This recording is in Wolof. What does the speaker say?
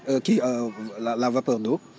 kii la la vapeur d' eau